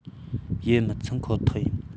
ཡིད མི ཚིམ ཁོ ཐག ཡིན